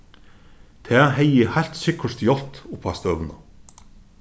tað hevði heilt sikkurt hjálpt uppá støðuna